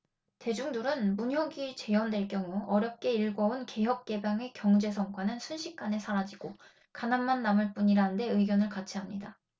대중들은 문혁이 재연될 경우 어렵게 일궈 온 개혁개방의 경제 성과는 순식간에 사라지고 가난만 남을 뿐이라는데 의견을 같이 합니다